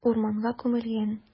Урманга күмелгән.